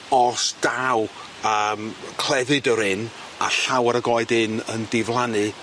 os daw yym clefyd yr ynn a llawer o goed yn yn diflannu